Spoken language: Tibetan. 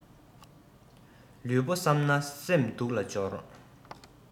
ལུས པོ བསམས ན སེམས སྡུག ལ སྦྱོར